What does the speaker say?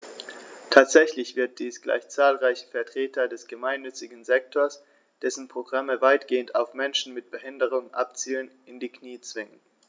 Tatsächlich wird dies gleich zahlreiche Vertreter des gemeinnützigen Sektors - dessen Programme weitgehend auf Menschen mit Behinderung abzielen - in die Knie zwingen.